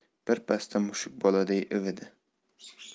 birpasda mushuk boladay ividi